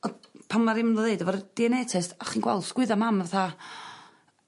o- pan ma' ddim 'ddi ddeud efo'r Dee En Ay test o'ch chi'n gweld sgwydda mam fatha